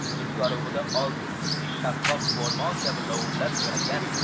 kun yorug'ida oltin tusli shaffof o'rmon kabi lovullab yonadigan